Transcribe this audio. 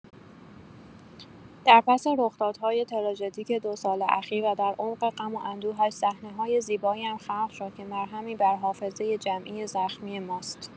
در پس رخدادهای تراژدیک دو سال اخیر و در عمق غم و اندوه‌اش، صحنه‌های زیبایی هم خلق شد که مرهمی بر حافظه جمعی زخمی ماست.